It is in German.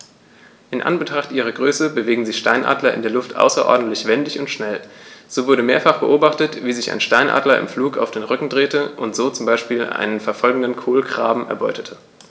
In Anbetracht ihrer Größe bewegen sich Steinadler in der Luft außerordentlich wendig und schnell, so wurde mehrfach beobachtet, wie sich ein Steinadler im Flug auf den Rücken drehte und so zum Beispiel einen verfolgenden Kolkraben erbeutete.